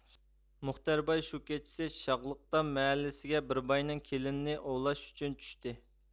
مۇختەر باي شۇ كېچىسى شاغلىقتام مەھەللىسىگە بىر باينىڭ كېلىنىنى ئوۋلاش ئۈچۈن چۈشتى